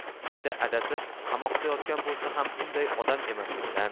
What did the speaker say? ichida adasi qamoqda yotgan bo'lsa ham bunday odam emasligidan